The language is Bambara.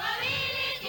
Wagɛnin